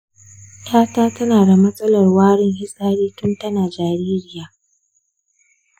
yata tana da matsalar warin fitsari tun tana jaririya.